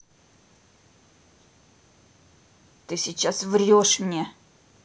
ты сейчас врешь мне